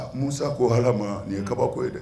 A musa ko ha ma nin ye kabako ye dɛ